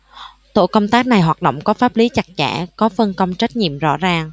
tổ công tác này hoạt động có pháp lý chặt chẽ có phân công trách nhiệm rõ ràng